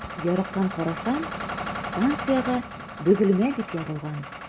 Ярыктан карасам, станциягә “Бөгелмә” дип язылган.